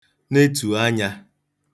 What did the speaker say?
netù anyā